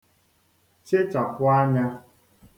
chịchàpụ ānyā.